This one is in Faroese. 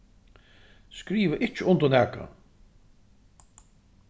skriva ikki undir nakað